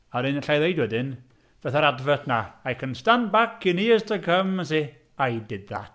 A wedyn alla i ddeud wedyn, fatha'r advert yna "I can stand back in years to come and say I did that".